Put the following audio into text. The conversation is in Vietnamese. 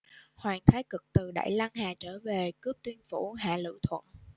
hoàng thái cực từ đại lăng hà trở về cướp tuyên phủ hạ lữ thuận